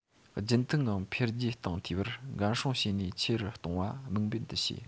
རྒྱུན མཐུད ངང འཕེལ རྒྱས བཏང འཐུས པར འགན སྲུང བྱེད ནུས ཆེ རུ གཏོང བ དམིགས འབེན དུ བྱས